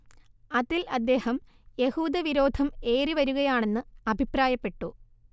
അതിൽ അദ്ദേഹം യഹൂദവിരോധം ഏറിവരുകയാണെന്ന് അഭിപ്രായപ്പെട്ടു